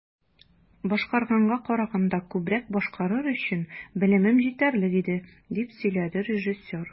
"башкарганга караганда күбрәк башкарыр өчен белемем җитәрлек иде", - дип сөйләде режиссер.